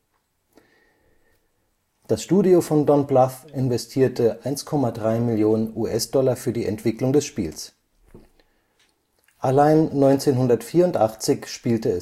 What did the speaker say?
Das Studio von Don Bluth investierte 1,3 Millionen $ für die Entwicklung des Spieles. Allein 1984 spielte